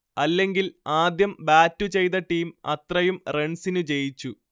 അല്ലെങ്കിൽ ആദ്യം ബാറ്റു ചെയ്ത ടീം അത്രയും റൺസിനു ജയിച്ചു